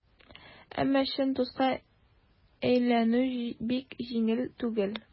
Әмма чын дуска әйләнү бик җиңел түгел.